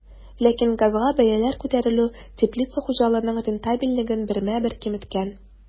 Ләкин газга бәяләр күтәрелү теплица хуҗалыгының рентабельлеген бермә-бер киметкән.